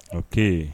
O